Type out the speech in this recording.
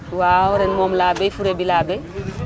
waaw ren moom laa béy fure bi laa béy